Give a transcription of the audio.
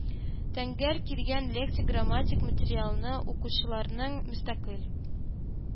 Тəңгəл килгəн лексик-грамматик материалны укучыларның мөстəкыйль